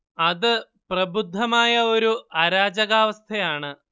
അത് പ്രബുദ്ധമായ ഒരു അരാജകാവസ്ഥയാണ്